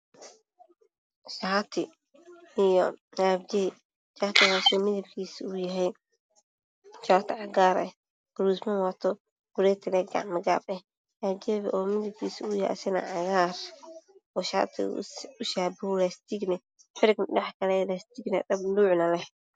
Waa shaati iyo jakad. Shaatiga midabkiisu waa cagaar ah oo galuusyo wato oo gacmo gaab ah iyo jaakad cagaar ah oo laastiig dhexda kaleh.